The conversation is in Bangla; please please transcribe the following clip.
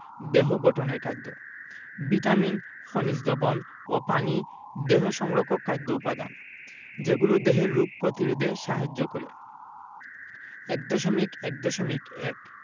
দেহ গঠনের খাদ্য ভিটামিন খনিজ লবন ও পানি দেহ সংরক্ষক খাদ্য উপাদান যেগুলো দেহের রোগ প্রতিরোধে সাহায্য করে ১.১.১